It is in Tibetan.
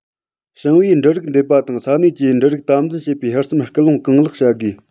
ཞིང པའི འབྲུ རིགས འདེབས པ དང ས གནས ཀྱིས འབྲུ རིགས དམ འཛིན བྱེད པའི ཧུར སེམས སྐུལ སློང གང ལེགས བྱ དགོས